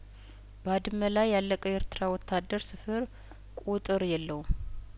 ባድመ ላይ ያለቀው የኤርትራ ወታደር ስፍር ቁጥር የለውም